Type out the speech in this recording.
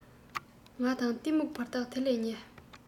ང དང གཏི མུག བར ཐག དེ ལས ཉེ